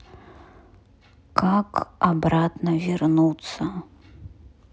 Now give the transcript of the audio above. как обратно вернуться